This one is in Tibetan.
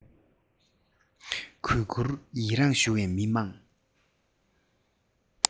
གུས བཀུར ཡིད རང ཞུ བའི མི དམངས